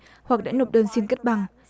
hoặc đã nộp đơn xin cấp bằng